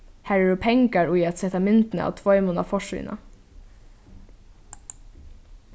har eru pengar í at seta myndina av tveimum á forsíðuna